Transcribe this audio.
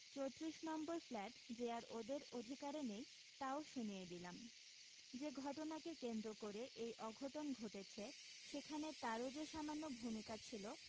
চোত্রিশ number flat যে আর ওদের অধিকারে নেই তাও শুনিয়ে দিলাম যে ঘটনাকে কেন্দ্র করে এই অঘটন ঘটেছে সেখানে তারও যে সামান্য ভূমিকা ছিল